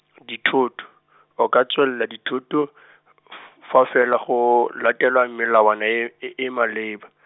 dithoto, o ka tseelwa dithoto , f- fa fela go latelwa melawana e, e e maleba.